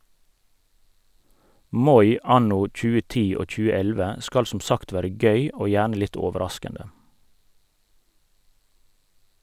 Moi anno 2010 og 2011 skal som sagt være gøy, og gjerne litt overraskende.